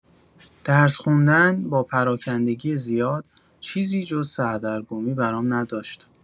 درس خوندن با پراکندگی زیاد، چیزی جز سردرگمی برام نداشت.